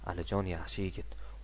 alijon yaxshi yigit